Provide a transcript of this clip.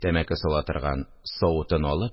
Тәмәке сала торган савытын алып